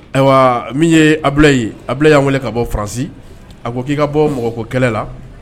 Ayiwa min ye Abilayi ye, Abilayi y'an wele ka bɔ Faransi, a ko k'i ka bɔ mɔgɔko kɛlɛ la